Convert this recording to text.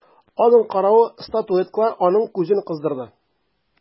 Аның каравы статуэткалар аның күзен кыздырды.